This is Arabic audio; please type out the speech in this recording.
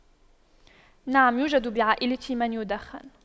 نعم يوجد بعائلتي من يدخن